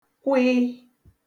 kwịị